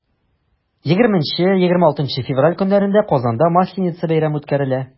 20-26 февраль көннәрендә казанда масленица бәйрәме үткәрелә.